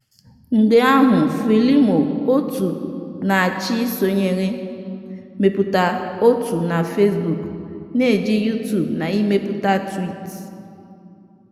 Mgbe ahụ Frelimo otú na-achị sonyeere, mepụta otú na Facebook, na-eji Youtube, na ịmepụta twiit.